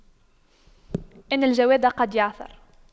إن الجواد قد يعثر